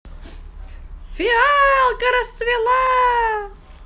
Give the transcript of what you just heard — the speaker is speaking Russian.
фиалка расцвела